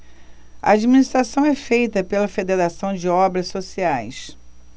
a administração é feita pela fos federação de obras sociais